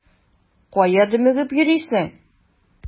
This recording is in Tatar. Кая дөмегеп йөрисең?